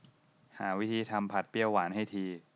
หาวิธีทำผัดเปรี้ยวหวานให้ที